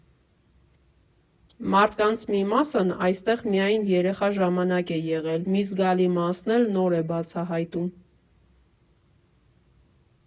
Մարդկանց մի մասն այստեղ միայն երեխա ժամանակ է եղել, մի զգալի մաս էլ նոր է բացահայտում։